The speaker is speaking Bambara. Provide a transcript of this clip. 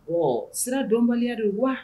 Ɔ sira dɔnnibaliya de wa